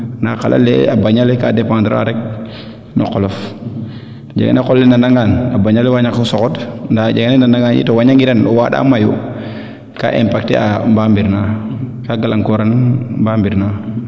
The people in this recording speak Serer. na a qala le a bañale ka dependre a rek o qolof a jega ne qol ke nana ngaan a bañale wa naqo soxod nda a jega na ando naye o wañangi ran o waanda mayu kaa impacter a mbamir naa kaa galang koran mbamir naa